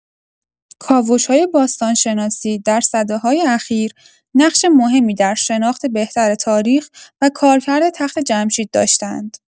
کاوش‌های باستان‌شناسی در سده‌های اخیر نقش مهمی در شناخت بهتر تاریخ و کارکرد تخت‌جمشید داشته‌اند.